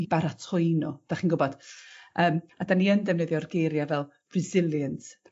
i baratoi n'w 'dach chi'n gwbod. Yym a 'dan ni yn defnyddio'r geiria' fel resilience